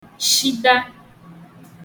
shita